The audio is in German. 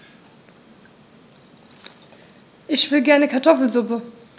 Ich will gerne Kartoffelsuppe.